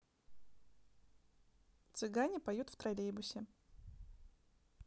цыгане поют в троллейбусе